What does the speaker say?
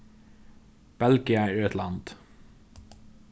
belgia er eitt land